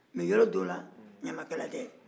mɛ yɔrɔ dɔw la ɲamaka tɛ